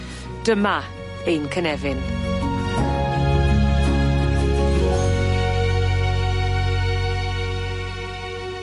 Dyma ein cynefin.